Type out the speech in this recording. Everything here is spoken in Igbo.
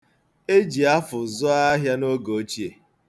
E ji afụ zụọ ahịa oge ochie.